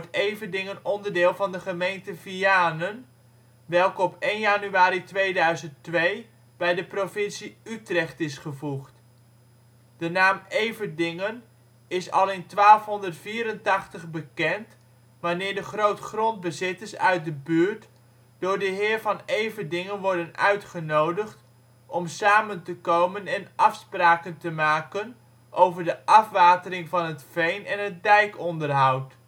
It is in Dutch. Everdingen onderdeel van de gemeente Vianen, welke op 1 januari 2002 bij de provincie Utrecht is gevoegd. De naam Everdingen is al in 1284 bekend, wanneer de grootgrondbezitters uit de buurt door de heer van Everdingen worden uitgenodigd om samen te komen en afspraken te maken over de afwatering van het veen en het dijkonderhoud